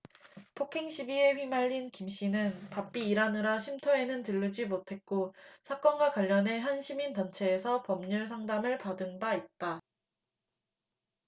폭행시비에 휘말린 김씨는 바삐 일하느라 쉼터에는 들르지 못했고 사건과 관련해 한 시민단체에서 법률상담을 받은 바 있다